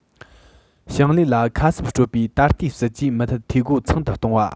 ཞིང ལས ལ ཁ གསབ སྤྲོད པའི ད ལྟའི སྲིད ཇུས མུ མཐུད འཐུས སྒོ ཚང དུ གཏོང བ